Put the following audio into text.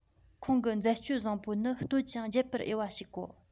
ཁོང གི མཛད སྤྱོད བཟང པོ ནི བསྟོད ཅིང རྗེད པར འོས པ ཞིག གོ